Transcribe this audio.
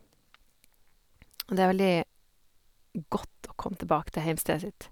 Og det er veldig godt å komme tilbake til heimstedet sitt.